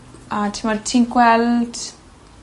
a t'mod ti'n gweld